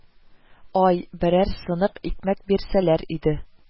Ай, берәр сынык икмәк бирсәләр иде